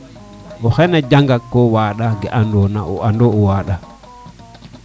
waxey na janga ko waaɗa ke ando na i ando o waaɗa